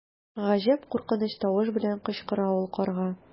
Гаҗәп куркыныч тавыш белән кычкыра ул карга.